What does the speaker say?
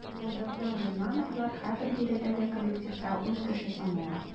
Булдыклы гыйльмановлар хәзер биредәге коллективта үз кеше санала.